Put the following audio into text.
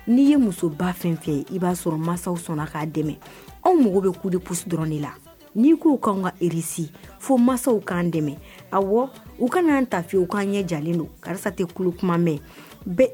N' ye muso fɛ i b'a sɔrɔ masa sɔnna k' dɛmɛ anw bɛ ku psi dɔrɔn la n' k' ka kan ka ri fo mansaw k'an dɛmɛ a u kana'an ta fiyewu u k'an ɲɛ jalen don karisa tɛ mɛn